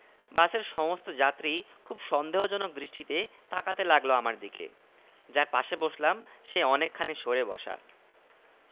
বাসের সমস্ত যাত্রী খুব সন্দেহজনক দৃষ্টিতে তাকাতে লাগলো আমার দিকে যার পাশে বসলাম সে অনেকখানি সরে বসা